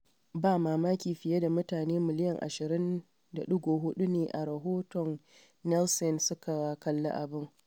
Ba mamaki fiye da mutane miliyan 20.4 ne a rahoton Nielsen suka kalli abin.